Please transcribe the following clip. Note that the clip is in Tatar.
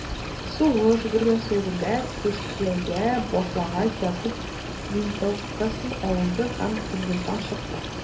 Сугыш гөрселдәве көчәя башлагач, Якуб винтовкасын алды һәм кабинеттан чыкты.